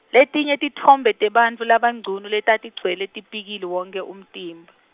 letinye titfombe tebantfu labangcunu letatigcwele tipikili le wonkhe umtimba.